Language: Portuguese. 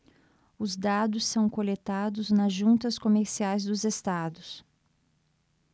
os dados são coletados nas juntas comerciais dos estados